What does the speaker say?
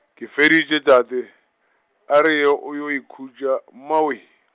ke feditše tate, a re ye o ye o ikhutša, mmawee.